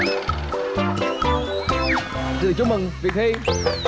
xin được chúc mừng việt thi